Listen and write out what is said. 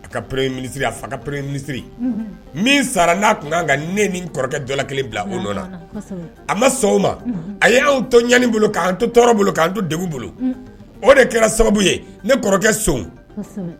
A ka pereiri mini a fa ka pereiri minisiri min sara n'a tun kan ka ne ni kɔrɔkɛ dɔ la kelen bila o na a ma sɔn o ma a y'aw to ɲani bolo k'an to tɔɔrɔ bolo k'an to de bolo o de kɛra sababu ye ne kɔrɔkɛ son